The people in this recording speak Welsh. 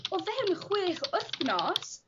o fewn chwech wthnos